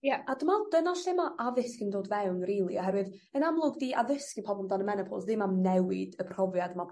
Ie a dwi me'wl dyna lle ma' addysg yn dod fewn rili oherwydd yn amlwg di addysgu pobol amdan y menopos ddim am newid y profiad ma'